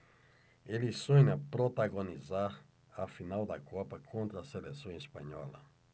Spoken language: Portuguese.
ele sonha protagonizar a final da copa contra a seleção espanhola